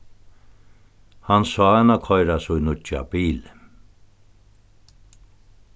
hann sá hana koyra sín nýggja bil